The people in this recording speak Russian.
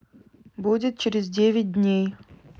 будет через девять дней